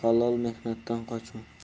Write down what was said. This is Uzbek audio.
halol mehnatdan qochma